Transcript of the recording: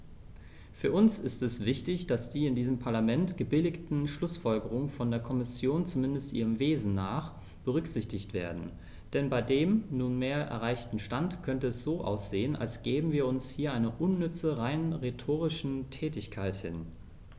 Für uns ist es wichtig, dass die in diesem Parlament gebilligten Schlußfolgerungen von der Kommission, zumindest ihrem Wesen nach, berücksichtigt werden, denn bei dem nunmehr erreichten Stand könnte es so aussehen, als gäben wir uns hier einer unnütze, rein rhetorischen Tätigkeit hin.